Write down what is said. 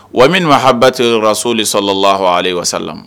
Wa min ma habateyɔrɔso de sɔrɔla laha ale wa